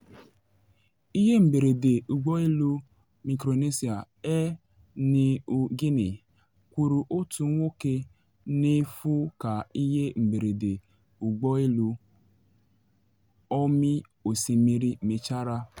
Ihe mberede ụgbọ elu Micronesia: Air Niugini kwụrụ otu nwoke na efu ka ihe mberede ụgbọ elu ọmi osimiri mechara